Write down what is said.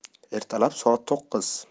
ertalab soat to'qqiz